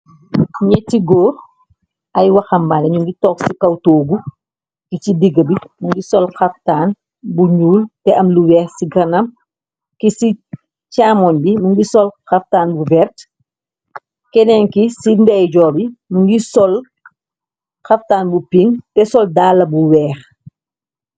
Ñetti góor ay wahambane ñu ngi tog ci kaw toogu ki ci digg bi mu ngi sol haftaan bu nuul te am lu weeh ci ganam, ki ci chaamon bi mu ngi sol haftaan bu vert, kenen ki ci ndey joo bi mu ngi sol haftaan bu pink te sol daala bu weeh.